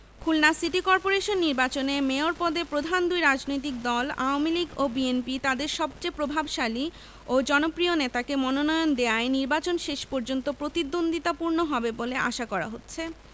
Khulna city corporation নির্বাচনে mayor পদে প্রধান দুই রাজনৈতিক দল আওয়ামী লীগ ও বিএনপি তাদের সবচেয়ে প্রভাবশালী ও জনপ্রিয় নেতাকে মনোনয়ন দেওয়ায় নির্বাচন শেষ পর্যন্ত প্রতিদ্বন্দ্বিতাপূর্ণ হবে বলে আশা করা হচ্ছে